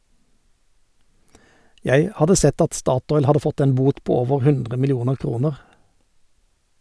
Jeg hadde sett at statoil hadde fått en bot på over 100 millioner kroner.